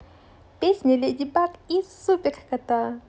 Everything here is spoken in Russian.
песня леди баг и супер кота